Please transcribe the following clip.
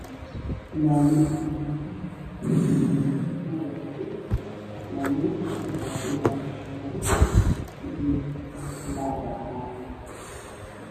Laami Cidlo ah oo qofna mareeynin laamiga waxaa ku yaalo geed talal oo cagaaran